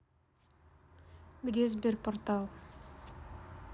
где sberportal